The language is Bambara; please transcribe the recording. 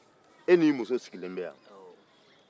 e n'i muso sigilen bɛ yan